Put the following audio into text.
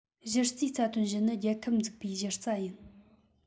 གཞི རྩའི རྩ དོན བཞི ནི རྒྱལ ཁབ འཛུགས པའི གཞི རྩ ཡིན